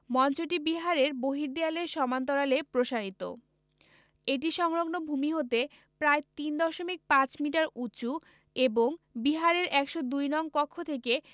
মঞ্চটি বিহারের বহির্দেয়ালের সমান্তরালে প্রসারিত এটি সংলগ্ন ভূমি হতে প্রায় ৩ দশমিক ৫ মিটার উঁচু এবং বিহারের ১০২ নং কক্ষ থেকে